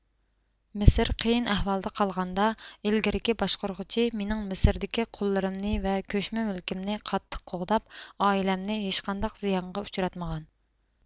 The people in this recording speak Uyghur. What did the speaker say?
مىسىر قىيىن ئەھۋالدا قالغاندا ئىلگىرىكى باشقۇرغۇچى مېنىڭ مىسىردىكى قۇللىرىمنى ۋە كۆچمە مۈلكىمنى قاتتىق قوغداپ ئائىلەمنى ھېچقانداق زىيانغا ئۇچراتمىغان